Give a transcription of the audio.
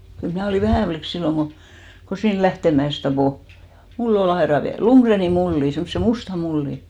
kyllä minä olin vähä likka silloin kun kun siinä Lähteenmäessä tappoi mulli oli aidan vieressä Ludgrenin mulli semmoisen musta mulli